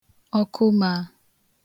ọkụmaā